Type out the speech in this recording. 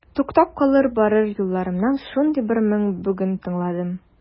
Туктап калып барыр юлларымнан шундый бер моң бүген тыңладым.